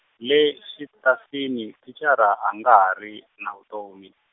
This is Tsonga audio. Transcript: le xitasini thicara a nga ha ri, na vutomi.